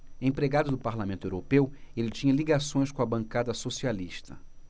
empregado do parlamento europeu ele tinha ligações com a bancada socialista